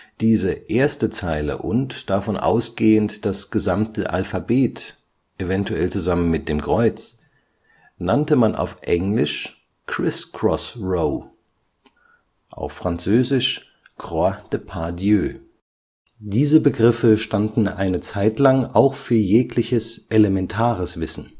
Diese erste Zeile, und, davon ausgehend, das gesamte Alphabet – eventuell zusammen mit dem Kreuz – nannte man auf Englisch Criss-cross-row (abweichende Schreibweisen waren üblich), auf Französisch Croix de par Dieu oder Croix de par Jésus. Diese Begriffe standen eine Zeit lang auch für jegliches elementares Wissen